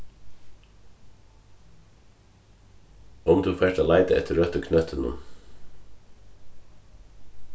um tú fert at leita eftir røttu knøttunum